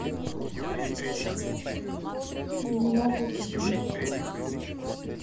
я не могу купить